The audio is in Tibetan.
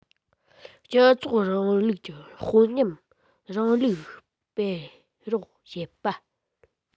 ཕྱི ཚུལ རིང ལུགས ཀྱིས དཔོན ཉམས རིང ལུགས སྤེལ རོགས བྱེད པ